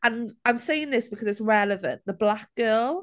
And I'm saying this because it's relevant, the black girl.